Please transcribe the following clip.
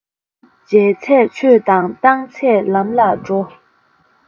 བྱས ཚད ཆོས དང བཏང ཚད ལམ ལ འགྲོ